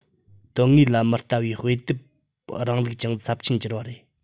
དོན དངོས ལ མི ལྟ བའི དཔེ དེབ རིང ལུགས ཀྱང ཚབས ཆེར གྱུར པ རེད